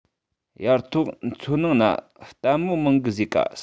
དབྱར གཐོག མཚོ ནང ན ལྟད མོ མང གི ཟེ ག